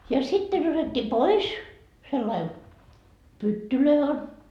ja sitten otettiin pois sillä lailla pyttyjä on